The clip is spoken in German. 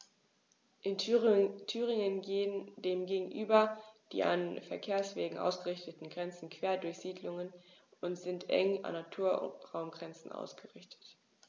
In Thüringen gehen dem gegenüber die an Verkehrswegen ausgerichteten Grenzen quer durch Siedlungen und sind eng an Naturraumgrenzen ausgerichtet.